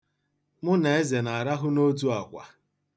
Mụ na Eze na-arahụ n'otu akwa.